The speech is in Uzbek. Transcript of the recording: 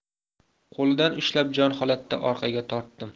qo'lidan ushlab jonholatda orqaga tortdim